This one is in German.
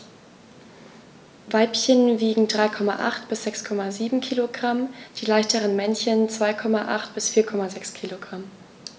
Weibchen wiegen 3,8 bis 6,7 kg, die leichteren Männchen 2,8 bis 4,6 kg.